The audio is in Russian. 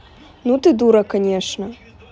ну ты дура конечно